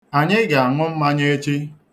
Anyị ga-aṅụ mmanya echi.